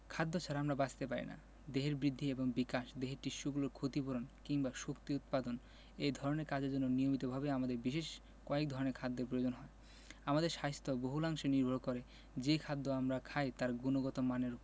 খাদ্য ছাড়া আমরা বাঁচতে পারি না দেহের বৃদ্ধি এবং বিকাশ দেহের টিস্যুগুলোর ক্ষতি পূরণ কিংবা শক্তি উৎপাদন এ ধরনের কাজের জন্য নিয়মিতভাবে আমাদের বিশেষ কয়েক ধরনের খাদ্যের প্রয়োজন হয় আমাদের স্বাস্থ্য বহুলাংশে নির্ভর করে যে খাদ্য আমরা খাই তার গুণগত মানের উপর